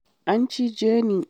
An cije ni!’